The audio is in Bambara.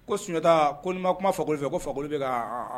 Ko sunjata ko kuma fakɔli fɛ ko fa bɛ ka